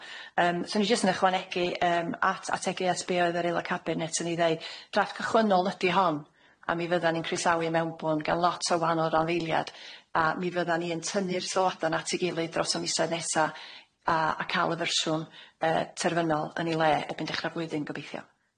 Yym so ni jyst yn ychwanegu yym at ategu at be o'dd yr aelod cabinet yn'i ddeu drafft cychwynnol ydi hon a mi fyddan ni'n croesawu y mewnbwn gen lot o wahanol randdeiliad a mi fyddan ni yn tynnu'r sylwada at ei gilydd dros y misoedd nesa' a a ca'l y fersiwn yy terfynol yn'i le erbyn ddechra'r flwyddyn gobeithio.